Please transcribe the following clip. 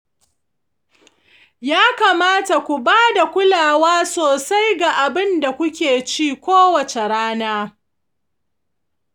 ya kamata ku ba da kulawa sosai ga abin da kuke ci kowace rana.